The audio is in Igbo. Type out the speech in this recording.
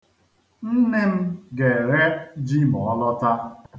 Nne m ga-eghe ji ma ọ lọta.